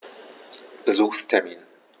Besuchstermin